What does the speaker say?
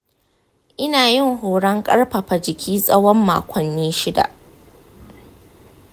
ina yin horon ƙarfafa jiki tsawon makonni shida.